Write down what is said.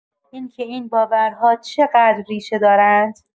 اینکه این باورها چقدر ریشه‌دارند.